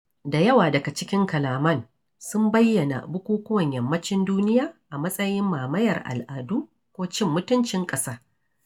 Da yawa daga cikin kalaman sun bayyana bukukuwan Yammacin duniya a matsayin "mamayar al'adu" ko "cin mutuncin ƙasa".